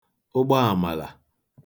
ụgbọ àmàlà